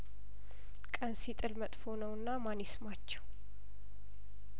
ቀን ሲጥል መጥፎ ነውና ማን ይስማቸው